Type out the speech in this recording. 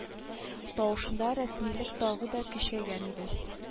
Тавышында рәсмилек тагы да көчәйгән иде